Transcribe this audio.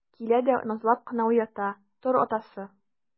Килә дә назлап кына уята: - Тор, атасы!